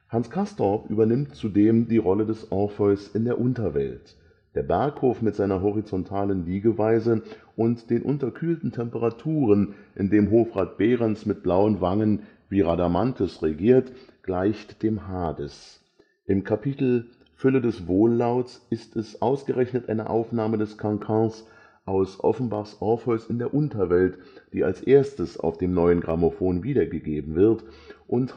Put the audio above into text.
Hans Castorp übernimmt zudem die Rolle des Orpheus in der Unterwelt: Der Berghof mit seiner „ horizontalen Liegeweise “und den unterkühlten Temperaturen, in dem Hofrat Behrens mit „ blauen Wangen “wie Radamanthys regiert, gleicht dem Hades. Im Kapitel „ Fülle des Wohllauts “ist es ausgerechnet eine Aufnahme des Cancans aus Offenbachs Orpheus in der Unterwelt, die als erstes auf dem neuen Grammophon wiedergegeben wird, und